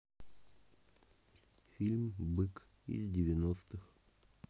фильм бык из девяностых